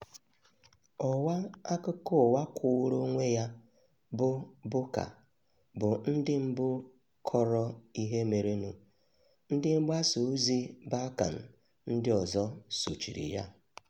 Ọwa akụkọ ụwa kwụụrụ onwe ya bụ Buka bụ ndị mbụ kọrọ ihe merenụ, ndị mgbasa ozi Balkan ndị ọzọ sochiri ya.